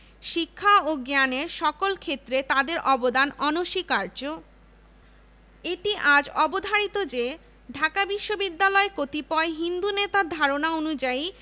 ঢাকা বিশ্ববিদ্যালয়কে বলা চলে বাংলাদেশের বুদ্ধিবৃত্তিক আন্দোলনের সূতিকাগার এ প্রতিষ্ঠানকে কেন্দ্র করেই উৎসারিত হয়েছে পূর্ববাংলার শিক্ষিত মধ্যবিত্ত শ্রেণি